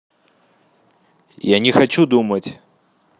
я не хочу думать